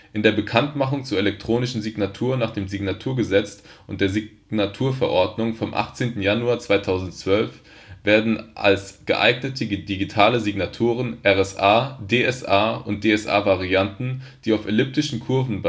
In der „ Bekanntmachung zur elektronischen Signatur nach dem Signaturgesetz und der Signaturverordnung “vom 18. Januar 2012 werden als geeignete digitale Signaturverfahren RSA, DSA und DSA-Varianten die auf elliptischen Kurven basierend